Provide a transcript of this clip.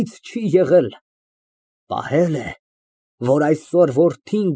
Բայց ինձ ներիր, ես ատում եմ խավարը։ (Շուռ է տալիս սեղանատան դռների մոտ էլեկտրական թելի կոճակը)։